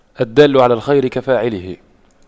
الدال على الخير كفاعله